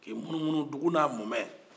k'i munumunu dugu n'a mumɛ